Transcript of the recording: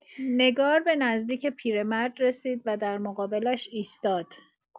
نگار به نزدیک پیرمرد رسید و در مقابلش ایستاد.